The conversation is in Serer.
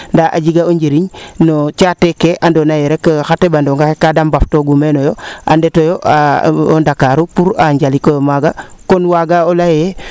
ndaa a jega o njiriñ no caate ke ando naye rek xa teɓanoonga xe kaa te mbaf toogu meeno yo a ndeto yo o ndakaaru pour a njaliko yo maaga kon waaga o leyee